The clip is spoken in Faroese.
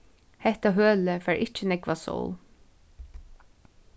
hetta hølið fær ikki nógva sól